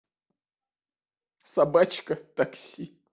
собачка такси